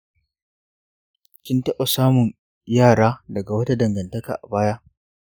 kin taɓa samun yara daga wata dangantaka a baya?